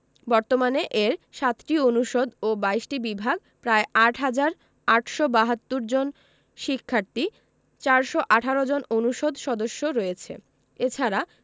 বর্তমানে এর ৭টি অনুষদ ও ২২টি বিভাগ প্রায় ৮ হাজার ৮৭২ জন শিক্ষার্থী ৪১৮ জন অনুষদ সদস্য রয়েছে এছাড়া